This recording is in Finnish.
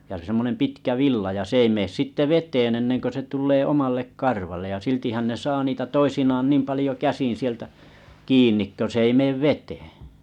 ja semmoinen pitkä villa ja se ei mene sitten veteen ennen kuin se tulee omalle karvalle ja siltihän ne saa niitä toisinaan niin paljon käsin sieltä kiinni kun se ei mene veteen